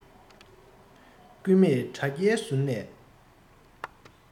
སྐུད མེད དྲ རྒྱའི ཟུར ནས